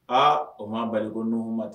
Aa o ma ba ko n ma tɛ